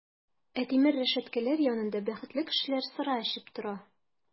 Ә тимер рәшәткәләр янында бәхетле кешеләр сыра эчеп тора!